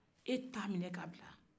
e ta minɛ k'a bila